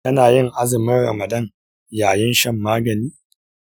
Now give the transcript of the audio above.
kana yin azumin ramadan yayin shan magani?